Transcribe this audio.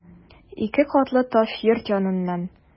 Ике катлы таш йорт яныннан...